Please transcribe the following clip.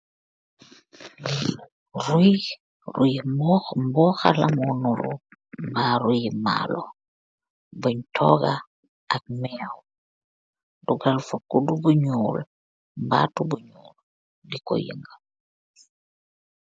Lii ruiiyy, ruiiyi mbohh mbohar lamor nduroh, maaroh yii maarloh bungh torgah ak meeww, dugal fa koudu bu njull, mbaatu bu njull dikor yehngal.